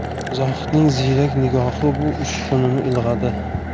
zohidning ziyrak nigohi bu uchqunni ilg'adi